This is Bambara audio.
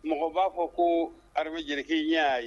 Mɔgɔ b'a fɔ ko arabu jelikɛ ɲɛ'a ye